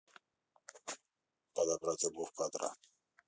подобрать обувь кадра